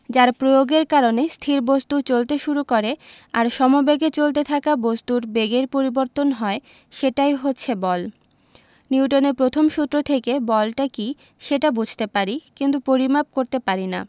যার প্রয়োগের কারণে স্থির বস্তু চলতে শুরু করে আর সমবেগে চলতে থাকা বস্তুর বেগের পরিবর্তন হয় সেটাই হচ্ছে বল নিউটনের প্রথম সূত্র থেকে বলটা কী সেটা বুঝতে পারি কিন্তু পরিমাপ করতে পারি না